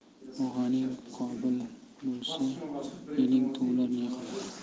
og'a ining qobil bo'lsa eling tuvlab ne qilar